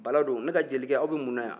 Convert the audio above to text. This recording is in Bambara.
bala don ne ka jelikɛ aw bɛ mun na yan